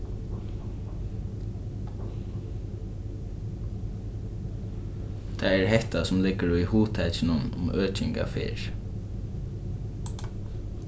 tað er hetta sum liggur í hugtakinum um øking av ferð